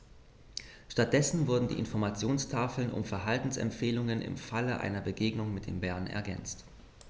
Stattdessen wurden die Informationstafeln um Verhaltensempfehlungen im Falle einer Begegnung mit dem Bären ergänzt.